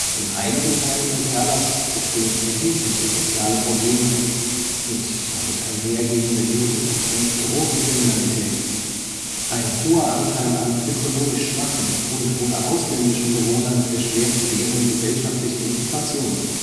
in einigen Teilen Neuperlachs bestehen erhebliche soziale Probleme mit damit einhergehender Jugend - und Drogenkriminalität; ein hoher Anteil an ökonomisch schwachen und/oder ausländischen Bewohnern erschwert deren gesellschaftliche Integration